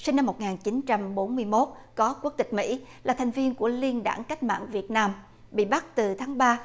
sinh năm một ngàn chín trăm bốn mươi mốt có quốc tịch mỹ là thành viên của liên đảng cách mạng việt nam bị bắt từ tháng ba